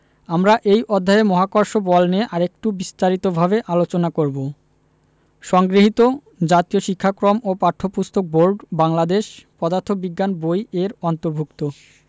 আমরা এই অধ্যায়ে মহাকর্ষ বল নিয়ে আরেকটু বিস্তারিতভাবে আলোচনা করব সংগৃহীত জাতীয় শিক্ষাক্রম ও পাঠ্যপুস্তক বোর্ড বাংলাদেশ পদার্থ বিজ্ঞান বই এর অন্তর্ভুক্ত